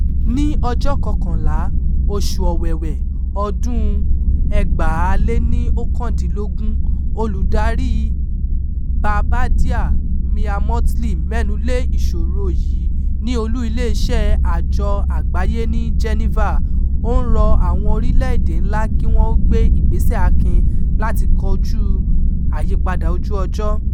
Ní ọjọ́ 11, oṣù Ọ̀wẹwẹ̀, ọdún-un 2019, Olùdarí Barbadia Mia Mottley mẹ́nu lé ìṣòro yìí ní olú iléeṣẹ́ Àjọ Àgbáyé ní Geneva, ó ń rọ àwọn orílẹ̀-èdè ńlá kí wọn ó gbé ìgbésẹ̀ akin láti kọjúu àyípadà ojú-ọjọ́.